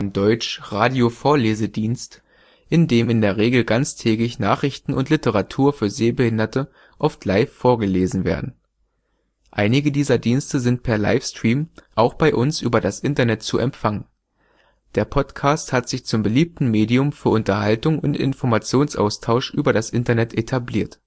deutsch: Radio-Vorlese-Dienst), in dem in der Regel ganztägig Nachrichten und Literatur für Sehbehinderte oft live vorgelesen werden. Einige dieser Dienste sind per Live-Stream auch bei uns über das Internet zu empfangen. Der Podcast hat sich zum beliebten Medium für Unterhaltung und Informationsaustausch über das Internet etabliert